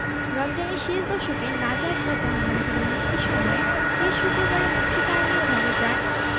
রমজানের শেষ দশকে নাজাত বা জাহান্নাম থেকে মুক্তির সময়ে শেষ শুক্রবারে মুক্তিকামী ধর্মপ্রাণ